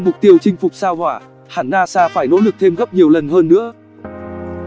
có thêm mục tiêu chinh phục sao hỏa hẳn nasa phải nỗ lực thêm gấp nhiều lần hơn nữa